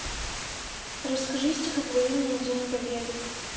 расскажи стихотворение день победы